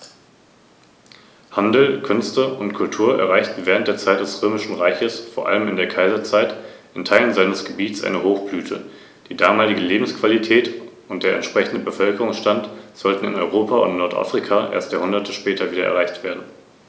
Das Reich übte einen großen Einfluss auf die von ihm beherrschten Gebiete, aber auch auf die Gebiete jenseits seiner Grenzen aus.